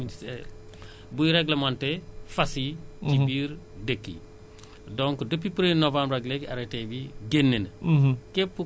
te am na arrêté bu génn service élevage xam na ko mairies yi bon autorités yi xam nañ ko arrêté bi génn arrêté interministériel buy réglementé fas yi